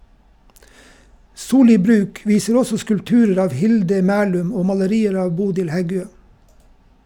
Soli Brug viser også skulpturer av Hilde Mæhlum og malerier av Bodil Heggø.